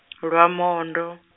Lwamondo.